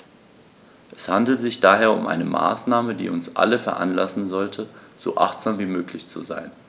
Es handelt sich daher um eine Maßnahme, die uns alle veranlassen sollte, so achtsam wie möglich zu sein.